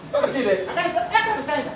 Ti